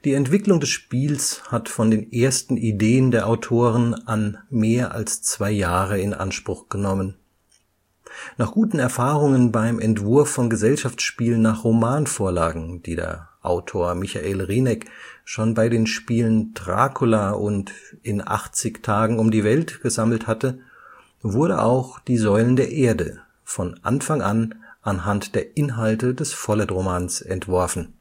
Entwicklung des Spieles hat von den ersten Ideen der Autoren an mehr als zwei Jahre in Anspruch genommen. Nach guten Erfahrungen beim Entwurf von Gesellschaftsspielen nach Romanvorlagen, die der Autor Michael Rieneck schon bei den Spielen Dracula und In 80 Tagen um die Welt gesammelt hatte, wurde auch Die Säulen der Erde von Anfang an anhand der Inhalte des Follet-Romans entworfen